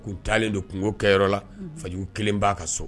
U taalen de kungo kɛyɔrɔ la fajugu kelen b'a ka so